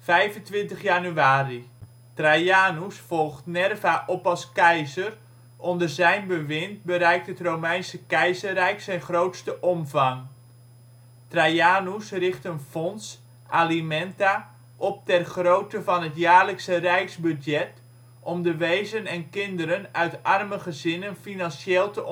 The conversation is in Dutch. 25 januari - Trajanus (98 - 117 n. Chr.) volgt Nerva op als keizer, onder zijn bewind bereikt het Romeinse Keizerrijk zijn grootste omvang. Trajanus richt een fonds (alimenta) op ter grootte van het jaarlijkse rijksbudget, om de wezen en kinderen uit arme gezinnen financieel te